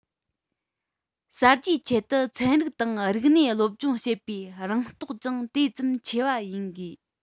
གསར བརྗེའི ཆེད དུ ཚན རིག དང རིག གནས སློབ སྦྱོང བྱེད པའི རང རྟོགས ཀྱང དེ ཙམ ཆེ བ ཡིན དགོས